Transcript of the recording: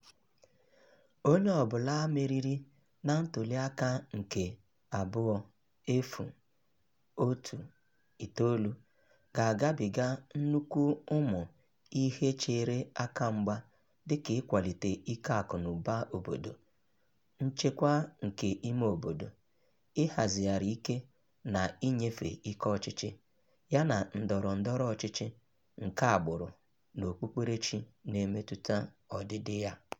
Onye ọ bụla meriri na ntụliaka nke 2019 ga-agabiga nnukwu ụmụ ihe chere aka mgba dịka ịkwalite ike akụ na ụba obodo, nchekwa nke ime obodo, ịhazigharị ike na inyefe ike ọchịchị, yana ndọrọ ndọrọ ọchịchị nke agbụrụ na okpukperechi na-emetụta ọdịdị ya.